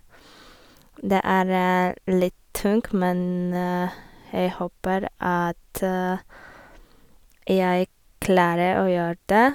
Det er litt tungt, men jeg håper at jeg klarer å gjøre det.